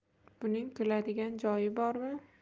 buning kuladigan joyi bormi